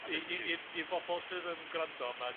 I i i'r i'r bobol sydd yn grando ma'...